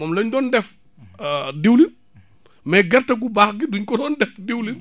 moom la ñu doon def diwlin mais gerte gu baax gi duñ ko doon def diwlin